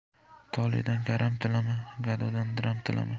toledan karam tilama gadodan diram tilama